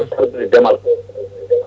keble ndeemal